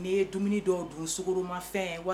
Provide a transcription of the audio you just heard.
N'i ye dumuni dɔw dun sroma fɛ